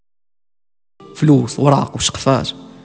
فلوس ورق حائط